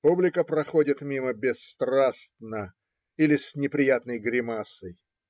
Публика проходит мимо бесстрастно или с неприятной гримасой